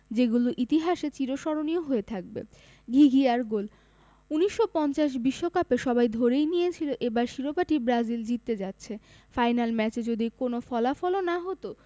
যেগুলো ইতিহাসে চিরস্মরণীয় হয়ে থাকবে ঘিঘিয়ার গোল ১৯৫০ বিশ্বকাপে সবাই ধরেই নিয়েছিল এবারের শিরোপাটি ব্রাজিল জিততে যাচ্ছে ফাইনাল ম্যাচে যদি কোনো ফলাফলও না হতো